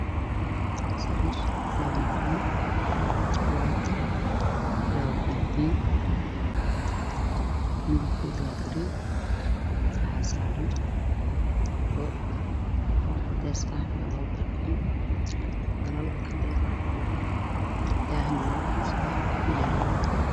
Halkaan waxaa ka muuqdo sariir labo nafar ah oo wadato koomi diin color ka jooriga waa grey